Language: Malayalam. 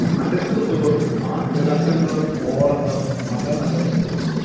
അടുക്കുംതോറും ആ തിളക്കങ്ങളും ഓളങ്ങളും അകന്നകന്നു പോകുന്നു